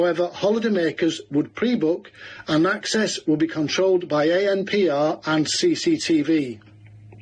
However, holidaymakers would pre-book, and access would be controlled by ANPR and CCTV.